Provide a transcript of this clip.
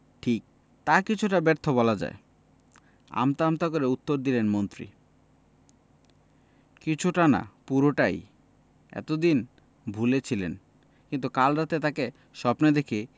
ঠিক ‘তা কিছুটা ব্যর্থ বলা যায় আমতা আমতা করে উত্তর দিলেন মন্ত্রী কিছুটা না পুরোটাই এত দিন ভুলে ছিলেন কিন্তু কাল রাতে তাকে স্বপ্নে দেখে